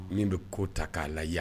Min bɛ ko ta k'a la ya